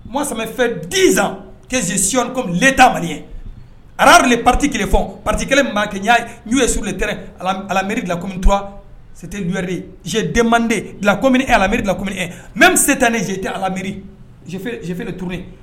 Ma samamɛ fɛn di zan kɛ ze siri kɔmi le ta mali ye aradu de pati kelen fɔ pati kelen maa kɛ n n'o yeurulimiri kɔmimiteu de sie den mankomini e lamirik e mɛ se tɛ ne zete ala miri si tu